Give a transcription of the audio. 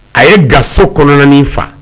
A ye ga so kɔnɔnanin fa